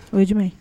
O ye jumɛn ye